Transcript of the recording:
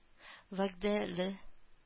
Вәгъдәле